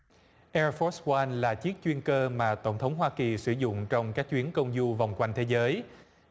e phót oăn là chiếc chuyên cơ mà tổng thống hoa kỳ sử dụng trong các chuyến công du vòng quanh thế giới